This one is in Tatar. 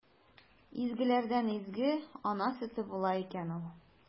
Изгеләрдән изге – ана сөте була икән ул!